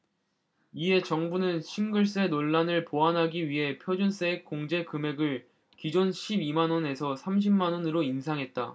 이에 정부는 싱글세 논란을 보완하기 위해 표준세액 공제금액을 기존 십 이 만원에서 십 삼 만원으로 인상했다